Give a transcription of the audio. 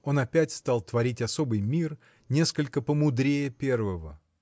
Он опять стал творить особый мир, несколько помудрее первого.